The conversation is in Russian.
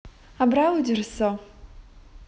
абраудюрсо